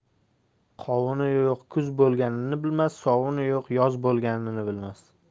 qovuni yo'q kuz bo'lganini bilmas sovuni yo'q yoz bo'lganini bilmas